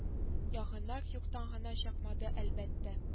Янгыннар юктан гына чыкмады әлбәттә